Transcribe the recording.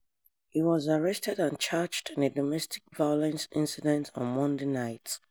He was arrested and charged in a domestic violence incident on Monday night